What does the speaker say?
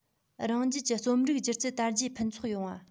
རང རྒྱལ གྱི རྩོམ རིག སྒྱུ རྩལ དར རྒྱས ཕུན ཚོགས ཡོང བ